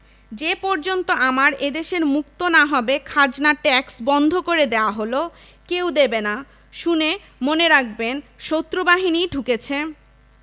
যে পর্যন্ত আমার এদেশের মুক্ত না হবে খাজনা ট্যাক্স বন্ধ করে দেয়া হলো কেউ দেবে না শুনে মনে রাখবেন শত্রু বাহিনী ঢুকেছে